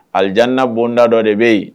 Alijana bonda dɔ de bɛ yi